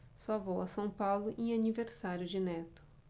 só vou a são paulo em aniversário de neto